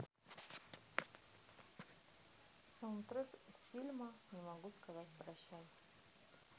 саундтрек из фильма не могу сказать прощай